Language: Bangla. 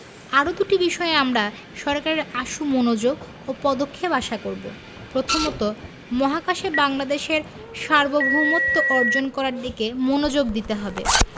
আরও দুটি বিষয়ে আমরা সরকারের আশু মনোযোগ ও পদক্ষেপ আশা করব প্রথমত মহাকাশে বাংলাদেশের সার্বভৌমত্ব অর্জন করার দিকে মনোযোগ দিতে হবে